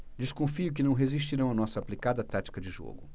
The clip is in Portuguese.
desconfio que não resistirão à nossa aplicada tática de jogo